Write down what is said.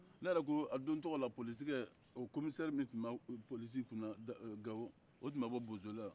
ne yɛrɛ ko a don tɔgɔ la polosikɛ o komisɛri min tun bɛ polisiw kun na o tun bɛ bɔ bozola